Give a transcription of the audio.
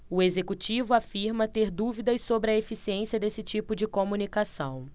o executivo afirma ter dúvidas sobre a eficiência desse tipo de comunicação